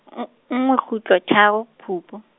nng- nngwe kgutlo tharo Phupu.